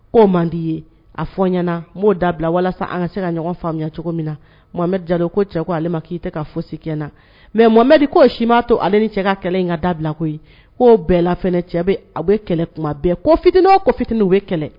Ko'o mandii ye a fɔ ɲɛnaana m'o dabila walasa an ka se ka ɲɔgɔn faamuya cogo min na mamɛ ja ko cɛ ko ale ma k'i tɛ ka fo si na mɛ mɔmɛd k ko si m'a to ale ni cɛ ka kɛlɛ in ka dabila ko ko'o bɛɛla cɛ bɛ a bɛ kɛlɛ tuma bɛɛ ko fitinin o ko fitininw bɛ kɛlɛ